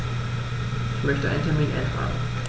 Ich möchte einen Termin eintragen.